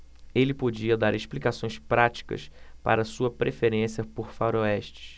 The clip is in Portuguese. ele podia dar explicações práticas para sua preferência por faroestes